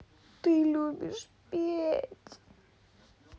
ты любишь петь